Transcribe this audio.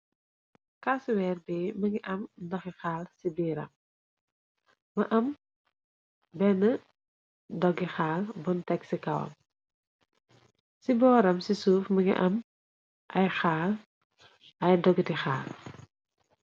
Casuwer be më ngi am ndoxi xaal ci biiram ma am benn dogi xaal bon tegsi kawam ci booram ci suuf ma ngi am ay xaal ay dogiti xaal.